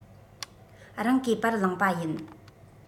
རང གིས པར བླངས པ ཡིན